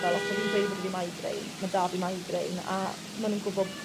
fel os bo' fi'n gweud bo' 'dy fi migraine ma' 'da fi migraine a ma' nw'n gwbo